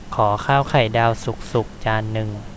ขอข้าวไข่ดาวสุกๆจานนึง